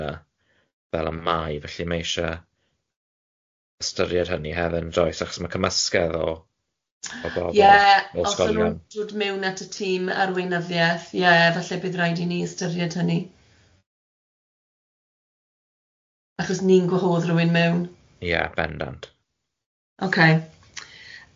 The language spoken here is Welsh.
fel y mae felly mae isie ystyried hynny hefyd yndoes chos mae cymysgedd o o bobl o ysgolion ie os ma nhw'n dod mewn at y tîm arweinyddieth ie falle bydd rhaid i ni ystyried hynny. Achos ni'n gwahodd a rhyw un mewn. Ie, bendant.